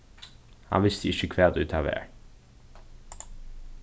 hann visti ikki hvat ið tað var